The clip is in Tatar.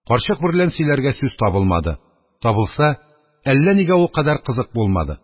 Карчык берлән сөйләргә сүз табылмады; табылса, әллә нигә ул кадәр кызык булмады.